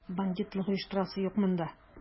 Бандитлык оештырасы юк монда!